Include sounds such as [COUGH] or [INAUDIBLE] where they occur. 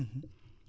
[HESITATION] [HESITATION]